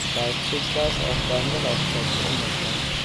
beispielsweise auch während der Laufzeit geändert werden